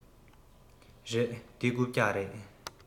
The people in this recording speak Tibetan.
རེད འདི རྐུབ བཀྱག རེད